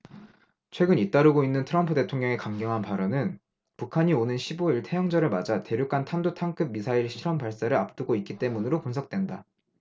최근 잇따르고 있는 트럼프 대통령의 강경한 발언은 북한이 오는 십 오 일 태양절을 맞아 대륙간탄도탄급 미사일 실험 발사를 앞두고 있기 때문으로 분석된다